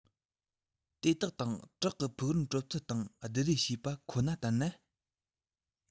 དེ དག དང བྲག གི ཕུག རོན གྲུབ ཚུལ སྟེང བསྡུར རེས བྱས པ ཁོ ན ལྟར ན